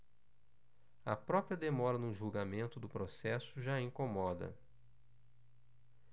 a própria demora no julgamento do processo já incomoda